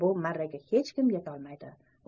bu marraga hech kim yetolmaydi